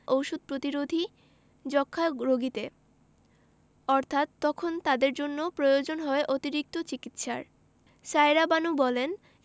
ওষুধ প্রতিরোধী যক্ষ্মা রোগীতে অর্থাৎ তখন তাদের জন্য প্রয়োজন হয় অতিরিক্ত চিকিৎসার সায়েরা বানু বলেন